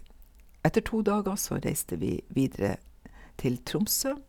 Etter to dager så reiste vi videre til Tromsø.